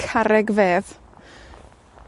Carreg fedd.